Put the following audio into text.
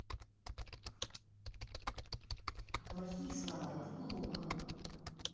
а плохие слова это плохо